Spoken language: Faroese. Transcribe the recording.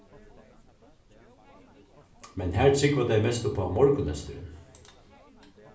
men har trúgva tey mest uppá morgunlesturin